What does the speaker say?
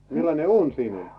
Millane uun siin ol?